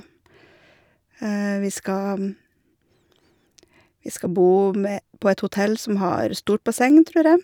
vi skal Vi skal bo med på et hotell som har stort basseng, tror jeg.